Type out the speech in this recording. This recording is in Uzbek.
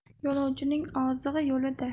yo'lovchining ozig'i yo'lida